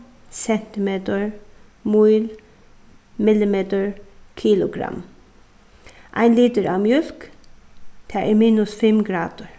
sentimetur míl millimetur kilogramm ein litur av mjólk tað er minus fimm gradir